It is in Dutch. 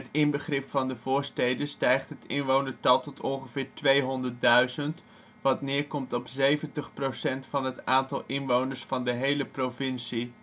inbegrip van de voorsteden stijgt het inwonertal tot ongeveer 200.000, wat neerkomt op 70 % van het aantal inwoners van de hele provincie